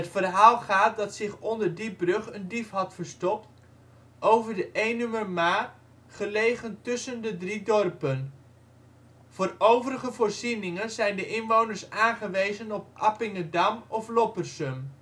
verhaal gaat dat zich onder die brug een dief had verstopt) over de Eenumermaar, gelegen tussen de drie dorpen. Voor overige voorzieningen zijn de inwoners aangewezen op Appingedam of Loppersum